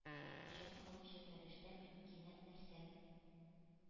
Җан алучы фәрештә мин! — Кинәт нәрсә?